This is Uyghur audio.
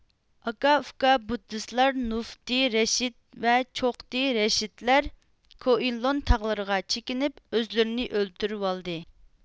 ئاكا ئۇكا بۇددىستلار نۇقتى رەشىد ۋە چوقتى رەشىدلەر كۇئېنلۇن تاغلىرىغا چېكىنىپ ئۆزلىرىنى ئۆلتۈرۈۋالدى